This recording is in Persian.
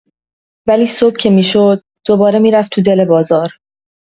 ولی صبح که می‌شد، دوباره می‌رفت تو دل بازار.